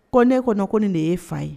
Koɛ kɔni ko ne de y yee fa ye